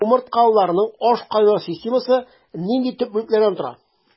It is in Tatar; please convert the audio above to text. Умырткалыларның ашкайнату системасы нинди төп бүлекләрдән тора?